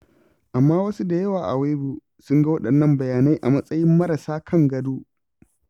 Amma wasu da yawa a Weibo sun ga waɗannan bayanai a matsayin marasa kan gado.